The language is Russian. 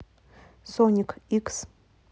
соник икс